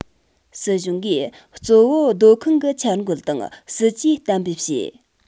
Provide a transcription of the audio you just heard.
སྲིད གཞུང གིས གཙོ བོ སྡོད ཁང གི འཆར འགོད དང སྲིད ཇུས གཏན འབེབས བྱས